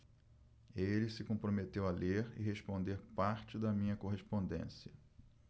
ele se comprometeu a ler e responder parte da minha correspondência